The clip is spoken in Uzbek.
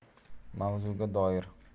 mavzuga doir